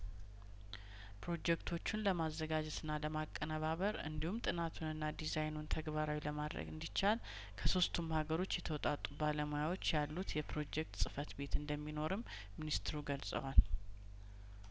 ፕሮጀክቶቹን ለማዘጋጀትና ለማቀነባበር እንዲሁም ጥናቱንና ዲዛይኑን ተግባራዊ ለማድረግ እንዲቻል ከሶስቱም ሀገሮች የተውጣጡ ባለሙያዎች ያሉት የፕሮጀክት ጽፈት ቤት እንደሚኖርም ሚኒስትሩ ገልጸዋል